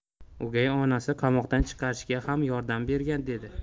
o'gay onasi qamoqdan chiqarishga ham yordam bergan devdi